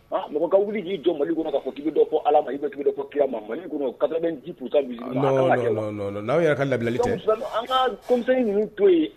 Mɔgɔ ka wuli y'i jɔ mali kɔnɔ ka fɔ k dɔ ko ala ma ko kirama maliaw yɛrɛ ka lalinin ninnu to yen